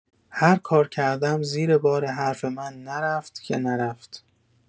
هرکار کردم زیر بار حرف من نرفت که نرفت!